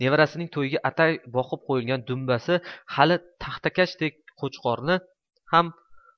nevarasining to'yiga atab boqib qo'yilgan dumbasi hali taxtakachdek qo'chqorni ham